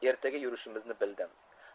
ertaga yurishimizni bildim